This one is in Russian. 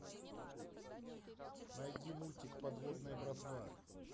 найди мультик подводная братва